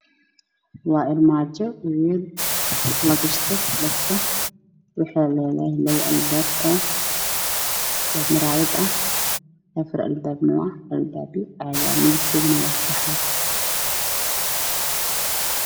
Waa armaajo wayn lagashto dharka waxay leedahay labo albaab oo miraayado ah afar alaab ne waa kuwo caadi ah midab keedana waa qaxwi